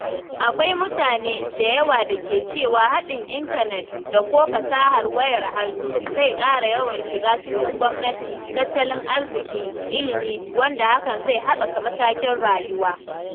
Akwai mutane da yawa da ke cewa haɗin Intanet da/ko fasahar wayar hannu zai ƙara yawan shiga cikin gwamnati, tattalin arziki, ilimi, wanda hakan zai haɓaka matakin rayuwa.